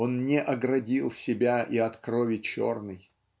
он не оградил себя и от крови черной.